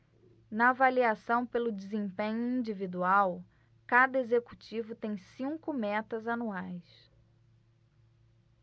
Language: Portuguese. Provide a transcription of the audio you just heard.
na avaliação pelo desempenho individual cada executivo tem cinco metas anuais